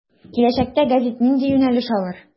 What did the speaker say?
Киләчәктә гәзит нинди юнәлеш алыр.